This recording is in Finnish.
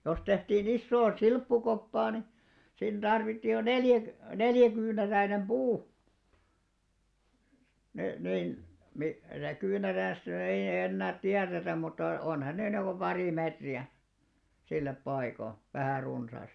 jos tehtiin isoa silppukoppaa niin siinä tarvittiin jo - neljäkyynäräinen puu niin niin - ja kyynärästä nyt ei ei enää tiedetä mutta onhan ne niin kuin pari metriä sille paikoin vähän runsaasti